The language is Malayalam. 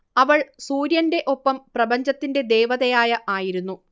അവൾ സൂര്യന്റെ ഒപ്പം പ്രപഞ്ചത്തിന്റെ ദേവതയായ ആയിരുന്നു